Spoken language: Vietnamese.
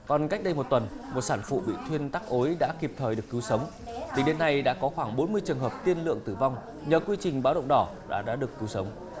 còn cách đây một tuần một sản phụ bị thuyên tắc ối đã kịp thời được cứu sống tính đến nay đã có khoảng bốn mươi trường hợp tiên lượng tử vong do quy trình báo động đỏ đã được cứu sống